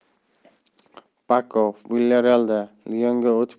pako vilyarreal da lion ga o'tib